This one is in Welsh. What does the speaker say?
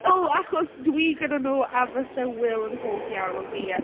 O, achos dwi gyda nhw a fysa Will yn hoff iawn o fi a...